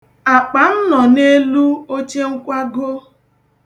Akpa m nọ n'elu ochenkwago.